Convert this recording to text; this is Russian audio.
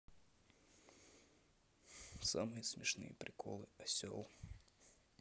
самые смешные приколы осел